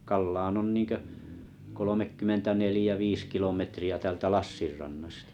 Kallaan on niin kuin kolmekymmentä neljä viisi kilometriä täältä Lassin rannasta